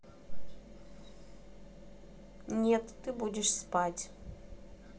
нет ты будешь спать